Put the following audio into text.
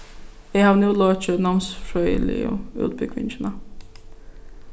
eg havi nú lokið námsfrøðiligu útbúgvingina